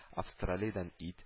Австралиядән ит